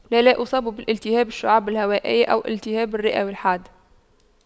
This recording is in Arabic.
لا لا اصاب بالالتهاب الشعب الهوائية أو التهاب الرئوي الحاد